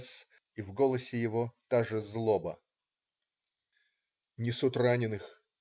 С. , и в голосе его та же злоба. Несут раненых.